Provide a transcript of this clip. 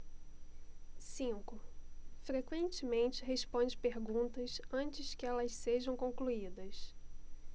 cinco frequentemente responde perguntas antes que elas sejam concluídas